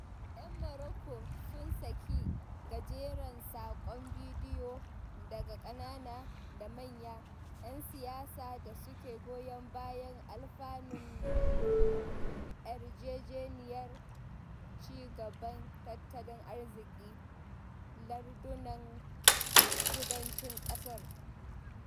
Yan Marocco sun saki gajeran saƙon bidiyo daga ƙanana da manyan 'yan siyasa da suke goyon bayan alfanun yarjejeniyar ci-gaban tattalin arzikin ''lardunan kudancin'' ƙasar.